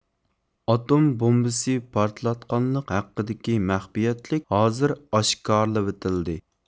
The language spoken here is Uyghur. ئاتوم بومبىسى پارتلاتقانلىق ھەققىدىكى مەخپىيەتلىك ھازىر ئاشكارىلىۋېتىلدى